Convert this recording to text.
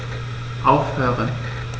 Aufhören.